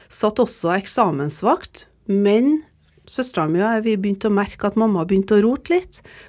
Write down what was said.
satt også eksamensvakt, men søstera mi og jeg vi begynte å merke at mamma begynte rote litt.